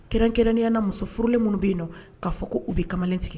Kɛrɛnkɛrɛnnenya la musofurulen minnu bɛ yen nɔ ka k'u bɛ kamalen tigɛ